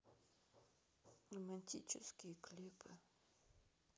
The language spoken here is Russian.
романтические клипы